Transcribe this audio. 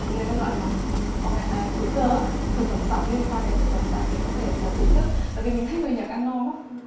người ta gọi là o kê hữu cơ thực phẩm sặt liên quan đến thực phẩm sạch để có thể là thưởng thức tại vì mình thấy người nhật ăn ngon quá